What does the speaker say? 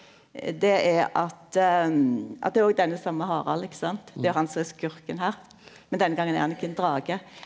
det er at at det er òg denne same Harald ikkje sant det er han som er skurken her men denne gongen er han ikkje ein drage.